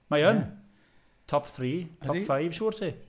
Mae yn top three, top five, siŵr i ti.